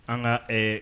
An ka ɛɛ